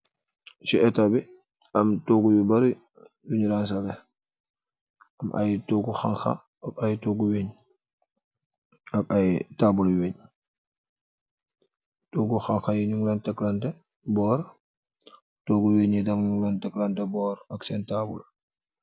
Ci eta bi am toogu yu bari, yuñu ransale am ay togu xanxa ak ay toggu weñ ak ay taabal weeñ, toggu xanxa yi ñunlan teklante boor, toggu weñ yi tam ñunglan teklante boor ak seen taabal